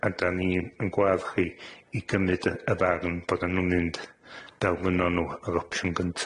A 'dan ni'n yn gwadd chi i gymyd y y farn bod a nw'n mynd, fel fynnon nw, yr opsiwn gynta.